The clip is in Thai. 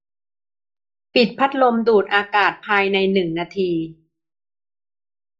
ปิดพัดลมดูดอากาศภายในหนึ่งนาที